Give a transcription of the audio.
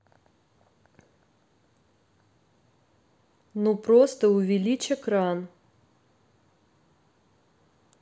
ну просто увеличь экран